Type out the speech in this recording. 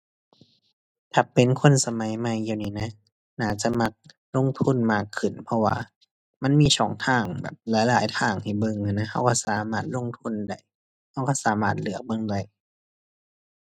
ถ้าเป็นคนสมัยใหม่เดี๋ยวนี้นะ น่าจะมักลงทุนมากขึ้น เพราะว่ามันมีช่องทางแบบหลายหลายทางให้เบิ่งหั้นนะ เราเราสามารถลงทุนได้ เราเราสามารถเลือกเบิ่งได้